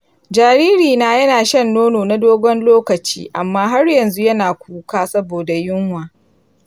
jaririna yana shan nono na dogon lokaci amma har yanzu yana kuka saboda yunwa.